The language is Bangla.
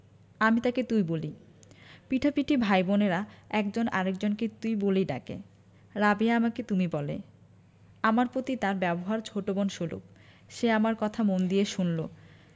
আমি তাকে তুই বলি পিঠাপিঠি ভাই বোনেরা একজন আরেক জনকে তুই বলেই ডাকে রাবেয়া আমাকে তুমি বলে আমার প্রতি তার ব্যবহার ছোট বোন সুলভ সে আমার কথা মন দিয়ে শুনলো